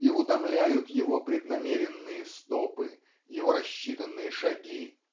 и утомляют его преднамеренные стопы его рассчитанные шаги.